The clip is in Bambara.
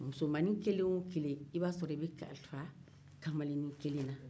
musomannin kelen o kelen i b'a sɔrɔ i bɛ kalifa kamalennin kelen na